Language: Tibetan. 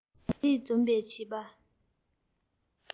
སྦྱང རིག འཛོམས པའི བྱིས པ